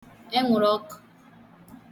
enwụrọ ọkụ